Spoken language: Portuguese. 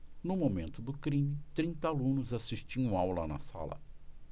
no momento do crime trinta alunos assistiam aula na sala